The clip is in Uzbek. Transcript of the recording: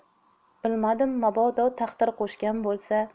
bilmadim mabodo taqdir qo'shgan bo'lsa